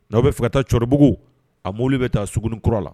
N'aw bɛ fɛ ka taa cbugu a mo bɛ taa s kɔrɔ la